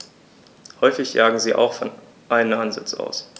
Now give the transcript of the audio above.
Häufig jagen sie auch von einem Ansitz aus.